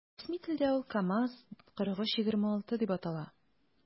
Рәсми телдә ул “КамАЗ- 4326” дип атала.